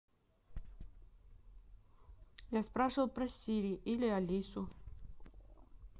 я спрашивал про сири или алису